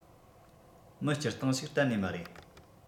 མི སྤྱིར བཏང ཞིག གཏན ནས མ རེད